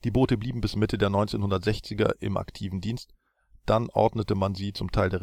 Boote blieben bis Mitte der 1960er im aktiven Dienst, dann ordnete man sie zum Teil